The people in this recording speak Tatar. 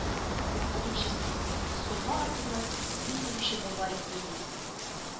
Икенчесе — сука артыннан бил бөгүче бабай иде, ди.